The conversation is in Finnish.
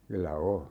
kyllä on